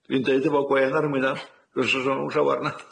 Dwi'n deud efo gwên ar 'y ngwyneb, fyse fo'm yn llawer, na?